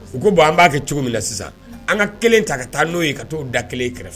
U ko bon an b'a kɛ cogo min na sisan, an ka 1 ta ka taa n'o ye, ka t'o da 1 kɛrɛfɛ